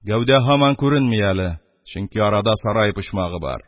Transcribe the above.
Гәүдә һаман күренми әле, чөнки арада сарай почмагы бар.